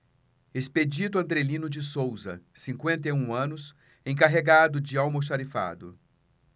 expedito andrelino de souza cinquenta e um anos encarregado de almoxarifado